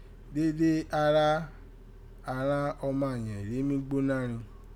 Dede ara àghan ọma yẹ̀n rèé mí gbóná rin.